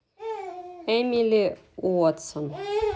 эмили уотсон